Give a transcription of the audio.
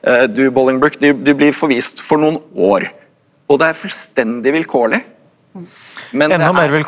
du Bullingbrook du du blir forvist for noen år og det er fullstendig vilkårlig men .